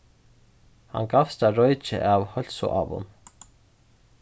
hann gavst at roykja av heilsuávum